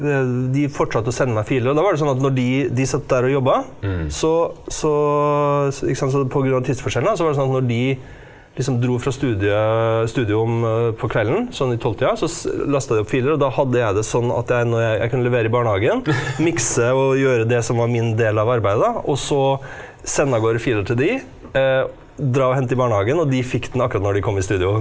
de fortsatte å sende meg filer, og da var det sånn at når de de satt der og jobba så så ikke sant så pga. tidsforskjellen da så var det sånn at når de liksom dro fra studio om på kvelden sånn i tolvtida så lasta de opp filer, og da hadde jeg det sånn at jeg når jeg kunne levere i barnehagen, mikse og gjøre det som var min del av arbeidet da, og så sende av gårde filene til de , dra og hente i barnehagen, og de fikk den akkurat når de kom i studio.